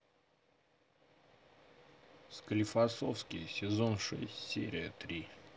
склифосовский сезон шесть серия три